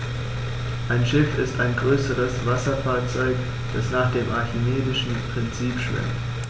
Ein Schiff ist ein größeres Wasserfahrzeug, das nach dem archimedischen Prinzip schwimmt.